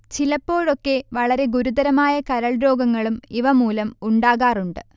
ചിലപ്പോഴൊക്കെ വളരെ ഗുരുതരമായ കരൾരോഗങ്ങളും ഇവ മൂലം ഉണ്ടാകാറുണ്ട്